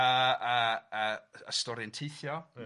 a a a a stori'n teithio... Ia...